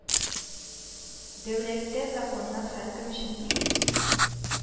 Дәүләттә законнар һәркем өчен тигез